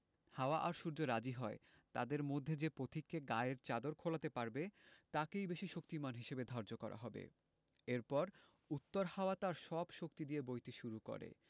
হাওয়া আর সূর্য রাজি হয় তাদের মধ্যে যে পথিকে গায়ের চাদর খোলাতে পারবে তাকেই বেশি শক্তিমান হিসেবে ধার্য করা হবে এরপর উত্তর হাওয়া তার সব শক্তি দিয়ে বইতে শুরু করে